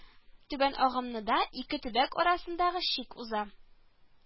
Түбән агымныда ике төбәк арасындагы чик уза